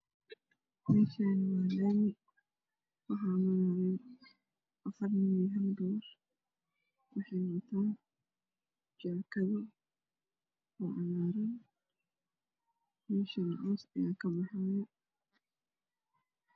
Meshani waa laami waxaa maraayo nin afar nin iyo hal gabar wexeyna wataan jaakado oo cagaaran meshana coos ayaa kabaxaayo